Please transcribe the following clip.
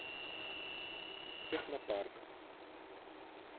технопарк